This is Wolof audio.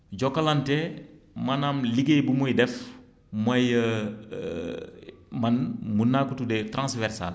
Jokalante maanaam liggéey bu muy def mooy man mën naa ko tuddee transversal